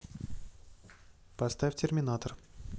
поставь терминатор